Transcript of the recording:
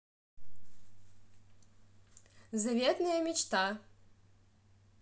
заветная мечта